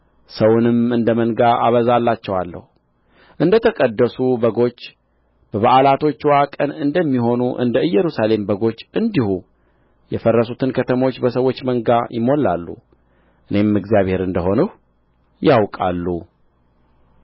ሰውንም እንደ መንጋ አበዛላቸዋለሁ እንደ ተቀደሱ በጎች በበዓላቶችዋ ቀን እንደሚሆኑ እንደ ኢየሩሳሌም በጎች እንዲሁ የፈለሱት ከተሞች በሰዎች መንጋ ይሞላሉ እኔም እግዚአብሔር እንደ ሆንሁ ያውቃሉ